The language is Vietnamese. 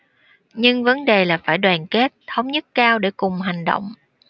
nhưng vấn đề là phải đoàn kết thống nhất cao để cùng hành động